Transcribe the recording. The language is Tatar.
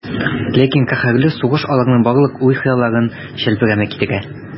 Ләкин каһәрле сугыш аларның барлык уй-хыялларын челпәрәмә китерә.